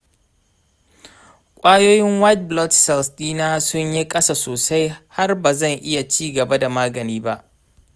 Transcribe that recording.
kwayoyin white blood cells dina sun yi ƙasa sosai har ba zan iya ci gaba da magani ba.